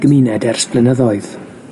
gymuned ers blynyddoedd,